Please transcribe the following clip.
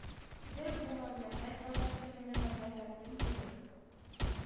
Дер, бу мәмләкәт барчасы минем мәмләкәтем булыр